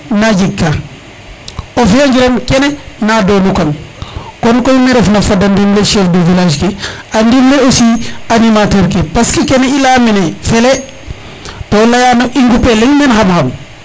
kene na jeg ka o fiya ngiran kene na donu kang kon koy me ndef na fada ndimle chef de village ke a ndimle aussi animateur ke parce que kene i leya mene fele to leyano i ngupe leŋ men xam xam